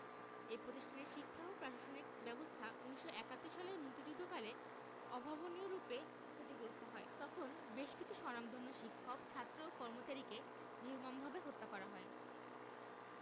এ প্রতিষ্ঠানের শিক্ষা ও প্রশাসনিক ব্যবস্থা ১৯৭১ সালের মুক্তিযুদ্ধকালে অভাবনীয়রূপে ক্ষতিগ্রস্ত হয় তখন বেশ কিছু স্বনামধন্য শিক্ষক ছাত্র ও কর্মচারীকে নির্মমভাবে হত্যা করা হয়